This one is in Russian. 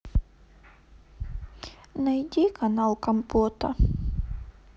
найди канал компота